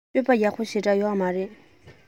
སྤྱོད པ ཡག པོ ཞེ དྲགས ཡོད མ རེད